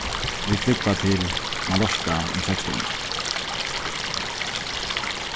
vit flúgva til mallorka um sekstíðina